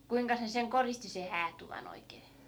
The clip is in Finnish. kuinkas ne sen koristi se häätuvan oikein